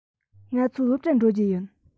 ང ཚོ སློབ གྲྭར འགྲོ རྒྱུ ཡིན